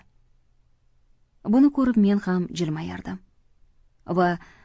buni ko'rib men ham jilmayardim va